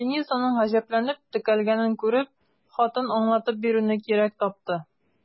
Ленизаның гаҗәпләнеп текәлгәнен күреп, хатын аңлатып бирүне кирәк тапты.